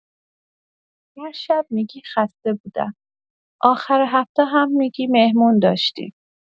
هر شب می‌گی خسته بودم، آخر هفته هم می‌گی مهمون داشتیم.